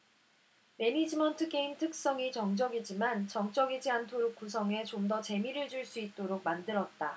매니지먼트 게임 특성이 정적이지만 정적이지 않도록 구성해 좀 더 재미를 줄 수 있도록 만들었다